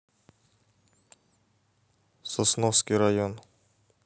сосновский район